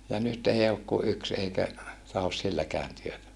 ja nyt ei ole kuin yksi eikä tahdo silläkään työtä